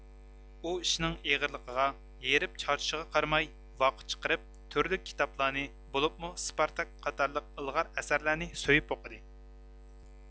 ئۇ ئىشنىڭ ئېغىرلىقىغا ھېرىپ چارچىشىغا قارىماي ۋاقىت چىقىرىپ تۈرلۈك كىتابلارنى بولۇپمۇ سپارتاك قاتارلىق ئىلغار ئەسەرلەرنى سۆيۈپ ئوقۇدى